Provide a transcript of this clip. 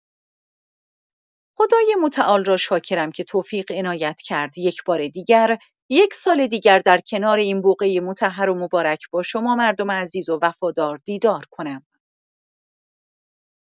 خدای متعال را شاکرم که توفیق عنایت کرد یک‌بار دیگر، یک سال دیگر در کنار این بقعه مطهر و مبارک با شما مردم عزیز و وفادار دیدار کنم.